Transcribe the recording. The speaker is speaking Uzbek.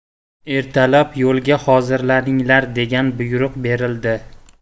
ertalab yo'lga hozirlaninglar degan buyruq berildi